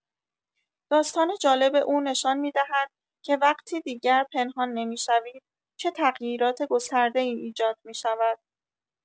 داستان جالب او نشان می‌دهد که وقتی دیگر پنهان نمی‌شوید، چه تغییرات گسترده‌ای ایجاد می‌شود.